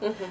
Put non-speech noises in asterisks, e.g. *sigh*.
*hesitation* *hesitation*